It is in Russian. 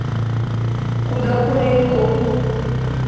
куда курилку